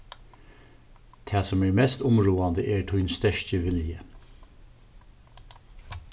tað sum er mest umráðandi er tín sterki vilji